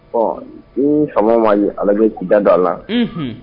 Bon ni faama ma a lajɛ k'u da don a la, unhun.